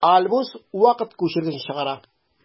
Альбус вакыт күчергечне чыгара.